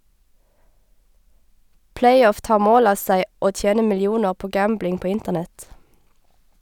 Playoff tar mål av seg å tjene millioner på gambling på internett.